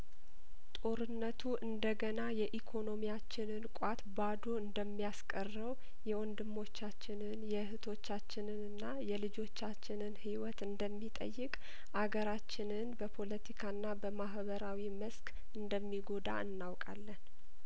ጦርነቱ እንደገና የኢኮኖሚያችንን ቋት ባዶ እንደሚያስቀረው የወንድሞቻችንን የእህቶቻችንንና የልጆቻችንን ህይወት እንደሚጠይቅ አገራችንን በፖለቲካና በማሀበራዊ መስክ እንደሚጐዳ እናውቃለን